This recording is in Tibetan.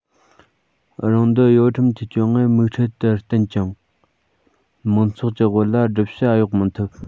རང འདོད གཡོ ཁྲམ གྱི སྤྱོད ངན མིག འཕྲུལ ལྟར བསྟན ཀྱང མང ཚོགས ཀྱི དབུ ལ སྒྲིབ ཞྭ གཡོག མི ཐུབ